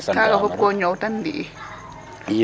Kaaga fop ko ñoowtan ndi ?